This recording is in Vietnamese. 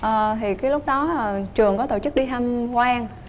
ờ thì cái lúc đó ờ trường có tổ chức đi thăm quan